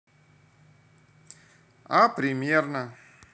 а примерно